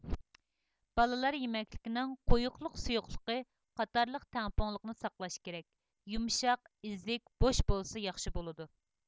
بالىلار يېمەكلىكنىڭ قويۇقلۇق سۇيۇقلۇقى قاتارلىق تەڭپۇڭلۇقىنى ساقلاش كېرەك يۇمشاق ئىزىك بوش بولسا ياخشى بولىدۇ